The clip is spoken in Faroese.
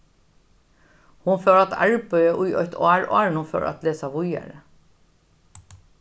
hon fór at arbeiða í eitt ár áðrenn hon fór at lesa víðari